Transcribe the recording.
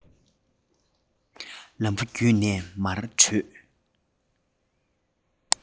ལམ བུ བརྒྱུད ནས མར བྲོས